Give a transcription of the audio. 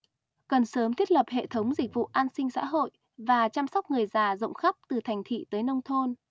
cần sớm thiết lập hệ thống dịch vụ an sinh xã hội và chăm sóc người già rộng khắp từ thành thị tới nông thôn